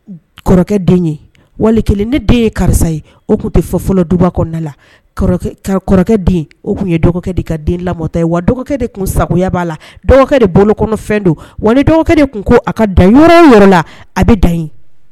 Kɔrɔkɛ wali kelen ne den ye karisa ye o tun tɛ fɔ fɔlɔ duba kɔnɔ o tun ye dɔgɔ de ka den lamɔtɔ ye wa dɔgɔkɛ de tun sagoya b'a la dɔgɔkɛ de bɔ kɔnɔfɛn don wali dɔgɔ de tun ko a ka da yɔrɔ in yɔrɔ la a bɛ da